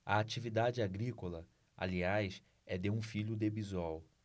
a atividade agrícola aliás é de um filho de bisol